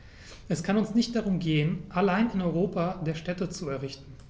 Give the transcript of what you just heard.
Es kann uns nicht darum gehen, allein ein Europa der Städte zu errichten.